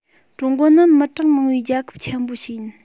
ཀྲུང གོ ནི མི གྲངས མང བའི རྒྱལ ཁབ ཆེན པོ ཞིག ཡིན